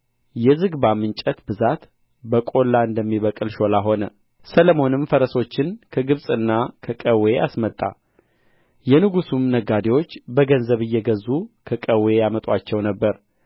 የዝግባም እንጨት ብዛት በቈላ እንደሚበቅል ሾላ ሆነ ሰሎሞንም ፈረሶችን ከግብጽና ከቀዌ አስመጣ የንጉሡም ነጋዴዎች በገንዘብ እየገዙ ከቀዌ ያመጡአቸው ነበር